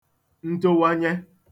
ntowanye